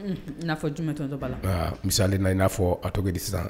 N'a fɔ juma dɔ la misali la i n'a fɔ a to di sisan